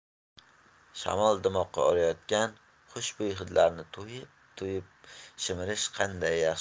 shamol dimoqqa urayotgan xushbo'y hidlarni to'yib to'yib shimirish qanday yaxshi